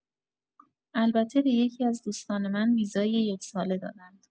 البته به یکی‌از دوستان من ویزای یک‌ساله دادند.